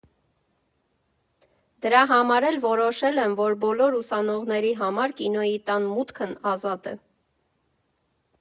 Դրա համար էլ որոշել եմ, որ բոլոր ուսանողների համար կինոյի տան մուտքն ազատ է։